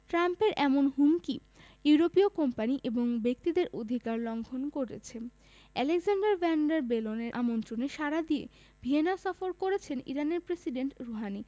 ট্রাম্পের এমন হুমকি ইউরোপীয় কোম্পানি এবং ব্যক্তিদের অধিকার লঙ্ঘন করেছে আলেক্সান্ডার ভ্যান ডার বেলেনের আমন্ত্রণে সাড়া দিয়ে ভিয়েনা সফরে রয়েছেন ইরানের প্রেসিডেন্ট রুহানি